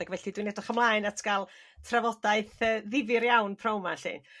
ac felly dwi'n edrych ymlaen at gael trafodaeth yy ddifyr iawn pnawn 'ma 'llu